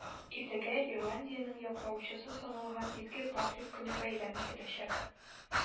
Иртәгә Ирландиянең яклаучысы саналган Изге Патрик көне бәйрәм ителәчәк.